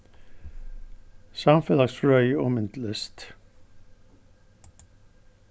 samfelagsfrøði og myndlist